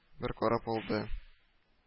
Бер карап алды